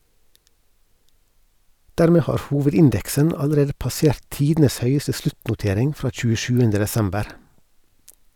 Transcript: Dermed har hovedindeksen allerede passert tidenes høyeste sluttnotering fra 27. desember.